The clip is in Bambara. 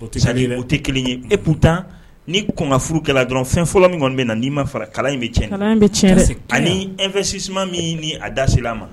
O tɛ o tɛ kelen ye eptan ni kɔnkanf furukɛla dɔrɔn fɛn fɔlɔ min kɔni bɛ na n' ma fara kala in bɛ cɛn an bɛ cɛn ani nfɛsisi min ni a dasi ma